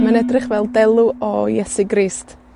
mae'n edrych fel delw o Iesu Grist.